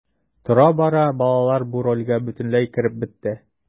Тора-бара балалар бу рольгә бөтенләй кереп бетте.